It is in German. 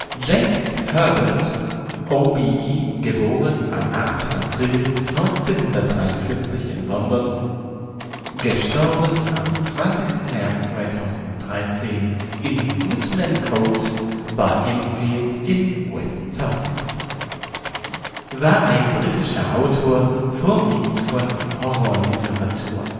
James Herbert OBE (* 8. April 1943 in London; † 20. März 2013 in Woodmancote bei Henfield, West Sussex) war ein britischer Autor, vorwiegend von Horrorliteratur